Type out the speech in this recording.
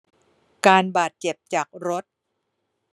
การบาดเจ็บจากรถ